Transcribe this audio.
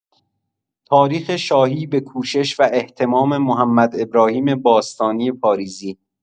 تاریخ شاهی به کوشش و اهتمام محمدابراهیم باستانی پاریزی